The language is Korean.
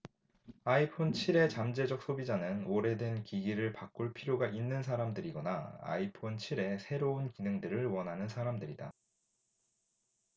아이폰 칠 의 잠재적 소비자는 오래된 기기를 바꿀 필요가 있는 사람들이거나 아이폰 칠 의 새로운 기능들을 원하는 사람들이다